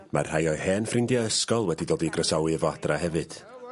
...mae rhai o'i hen ffrindia ysgol wedi dod i groesawi fo adra hefyd.